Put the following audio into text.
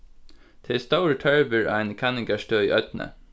tað er stórur tørvur á eini kanningarstøð í oynni